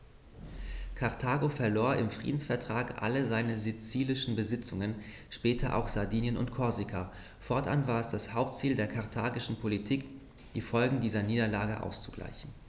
Karthago verlor im Friedensvertrag alle seine sizilischen Besitzungen (später auch Sardinien und Korsika); fortan war es das Hauptziel der karthagischen Politik, die Folgen dieser Niederlage auszugleichen.